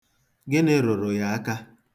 Gịnị rụrụ ya aka?